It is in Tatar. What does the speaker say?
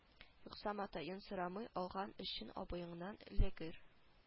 Юкса матаен сорамый алган өчен абыеңнан эләгер